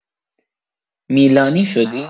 میلانی شدی؟